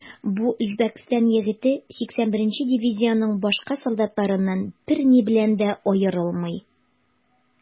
Бу Үзбәкстан егете 81 нче дивизиянең башка солдатларыннан берни белән дә аерылмый.